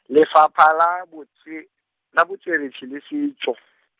Lefapha la Botswe-, la Botsweretshi le Setso.